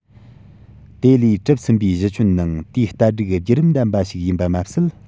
དེ ལས གྲུབ ཟིན པའི གཞི ཁྱོན ནང དེའི བསྟར སྒྲིག རྒྱུད རིམ ལྡན པ ཞིག ཡིན པ མ ཟད